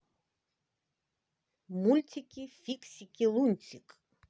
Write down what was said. мультики фиксики лунтик